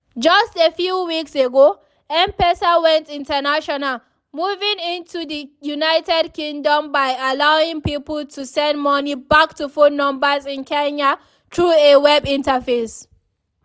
Just a few weeks ago, M-Pesa went international, moving into the United Kingdom by allowing people to send money back to phone numbers in Kenya through a web interface.